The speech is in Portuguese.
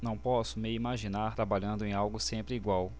não posso me imaginar trabalhando em algo sempre igual